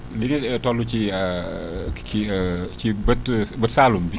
mais nag li nga toll ci kii ci bët bët saalum bi